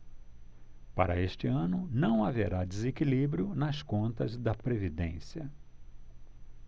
para este ano não haverá desequilíbrio nas contas da previdência